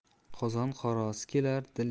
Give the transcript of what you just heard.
qozon qorasi ketar